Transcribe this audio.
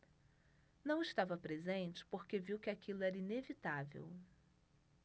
não estava presente porque viu que aquilo era inevitável